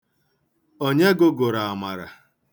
Onye gụgụrụ Amara?